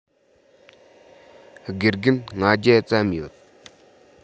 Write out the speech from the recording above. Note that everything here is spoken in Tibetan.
དགེ རྒན ལྔ བརྒྱ ཙམ ཡོད